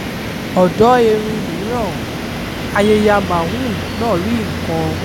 Ọ̀dọ́ erin mìíràn, Ayeyar Maung náà rí nǹkan.